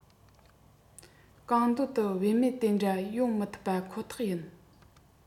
གང འདོད དུ བེད མེད དེ འདྲ ཡོང མི ཐུབ པ ཁོ ཐག ཡིན